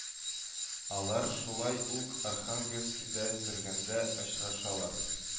Алар шулай ук Архангельскида сөргендә очрашалар